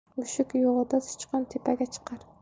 mushuk yo'g'ida sichqon tepaga chiqar